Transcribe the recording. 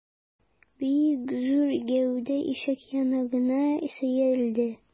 Бик зур гәүдә ишек яңагына сөялде.